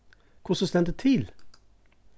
hvussu stendur til